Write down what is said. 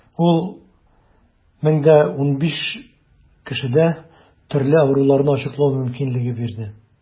Ул 1015 кешедә төрле авыруларны ачыклау мөмкинлеге бирде.